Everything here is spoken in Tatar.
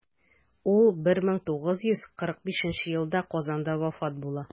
Ул 1945 елда Казанда вафат була.